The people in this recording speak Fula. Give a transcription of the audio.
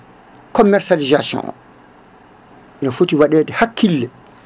commercialisation ne foti waɗede hakkille